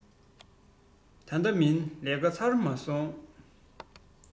ད ལྟ མིན ལས ཀ ཚར མ སོང